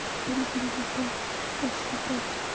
pul belga quvvat boshga toj